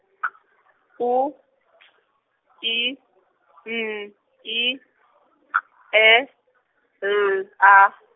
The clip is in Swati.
K, U, T, I, N I, K E, L A.